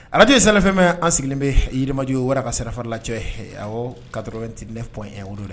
- radio sahel fm an sigilen bɛ yirimajɔ wara ka sira fara la cɔyi. Ɛ, Awɔ 89 point 1 o de dɛ.